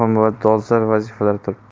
muhim va dolzarb vazifalar turibdi